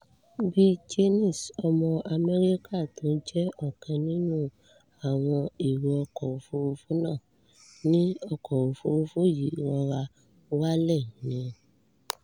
Bill Jaynes, ọmọ Amẹ́ríkà to jẹ́ ọ̀kan nínú àwọn èrò ọkọ̀-òfúrufú náà, ní ọkọ̀-òfúrufú yìí rọra wálẹ̀ ni.